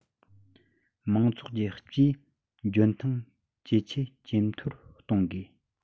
མང ཚོགས ཀྱི སྤྱིའི འཇོན ཐང ཇེ ཆེ ཇེ མཐོར གཏོང དགོས